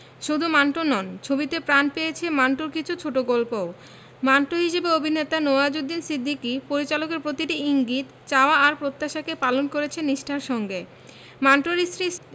শুধু মান্টো নন ছবিতে প্রাণ পেয়েছে মান্টোর কিছু ছোটগল্পও মান্টো হিসেবে অভিনেতা নওয়াজুদ্দিন সিদ্দিকী পরিচালকের প্রতিটি ইঙ্গিত চাওয়া আর প্রত্যাশাকে পালন করেছেন নিষ্ঠার সঙ্গে মান্টোর স্ত্রী